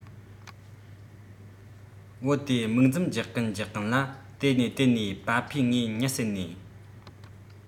བུ དེས མིག འཛུམ རྒྱག གིན རྒྱག གིན ལ དེ ནས དེ ནས པ ཕས ངའི གཉིད བསད ནས